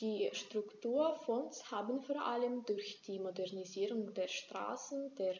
Die Strukturfonds haben vor allem durch die Modernisierung der Straßen, der